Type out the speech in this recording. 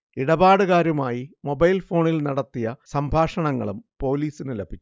ഇടപാടുകാരുമായി മൊബൈൽഫോണിൽ നടത്തിയ സംഭാഷണങ്ങളും പോലീസിന് ലഭിച്ചു